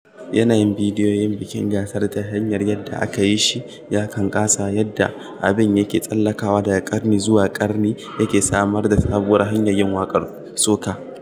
Yanayin bidiyon bikin gasar ta hanyar yadda aka yi shi, yakan ƙasa yadda abin yake tsallakawa daga ƙarni zuwa ƙarni wanda yake samar da sabuwar hanyar yin waƙar soca.